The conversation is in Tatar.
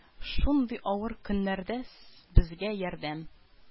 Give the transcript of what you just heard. Шундый авыр көннәрдәс безгә ярдәм